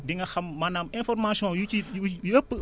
di nga xam maanaam information yu ciy yu yëpp